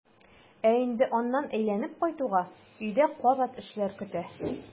Ә инде аннан әйләнеп кайтуга өйдә кабат эшләр көтә.